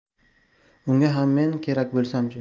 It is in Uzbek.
unga ham men kerak bo'lsam chi